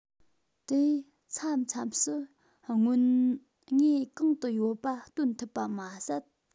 དེས མཚམས མཚམས སུ རྔོན དངོས གང དུ ཡོད པ སྟོན ཐུབ པ མ ཟད